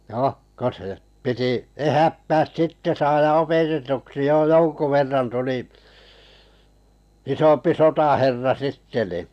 no kun se piti ehättää sitten saada opetetuksi jo jonkun verran tuli isompi sotaherra sitten niin